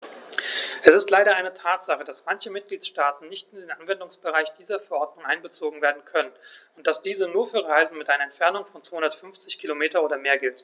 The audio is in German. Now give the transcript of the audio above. Es ist leider eine Tatsache, dass manche Mitgliedstaaten nicht in den Anwendungsbereich dieser Verordnung einbezogen werden können und dass diese nur für Reisen mit einer Entfernung von 250 km oder mehr gilt.